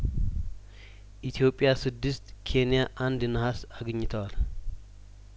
ኢትዮጵያ ስድስት ኬንያ አንድ ነሀስ አግኝተዋል